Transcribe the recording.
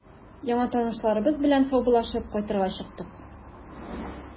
Яңа танышларыбыз белән саубуллашып, кайтырга чыктык.